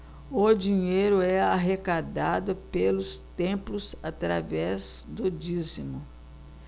o dinheiro é arrecadado pelos templos através do dízimo